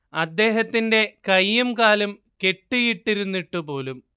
അദ്ദേഹത്തിന്റെ കൈയും കാലും കെട്ടിയിട്ടിരുന്നിട്ടുപോലും